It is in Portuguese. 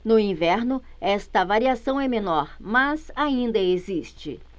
no inverno esta variação é menor mas ainda existe